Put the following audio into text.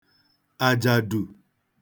àjàdù